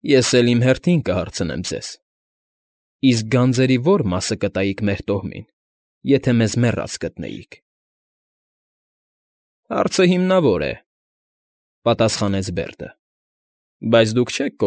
Ես էլ իմ հերթին կհարցնեմ ձեզ. իսկ գանձերի ո՞ր մասը կտայիք մեր տոհմին, եթե մեզ մեռած գտնեիք… ֊ Հարցը հիմնավոր է,֊ պատասխանեց Բերդը,֊ բայց դուք չեք։